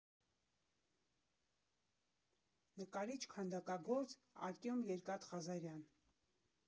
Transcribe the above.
Նկարիչ֊քանդակագործ Արտյոմ Երկաթ Ղազարյան։